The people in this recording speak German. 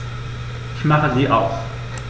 Ich mache sie aus.